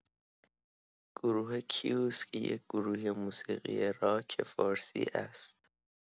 گروه کیوسک یک گروه موسیقی راک فارسی است.